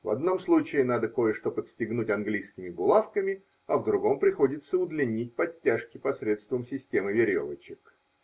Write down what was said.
В одном случае надо кое-что подстегнуть английскими булавками, а в другом приходится удлинить подтяжки посредством системы веревочек.